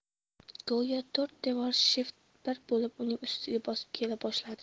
go'yo to'rt devor shift bir bo'lib uning ustiga bosib kela boshladi